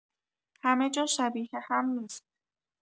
همه‌جا شبیه هم نیست.